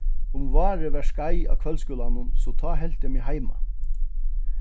um várið var skeið á kvøldskúlanum so tá helt eg meg heima